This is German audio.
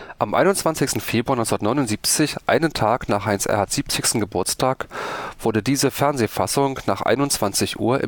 Am 21. Februar 1979, einen Tag nach Heinz Erhardts 70. Geburtstag, wurde diese Fernsehfassung nach 21 Uhr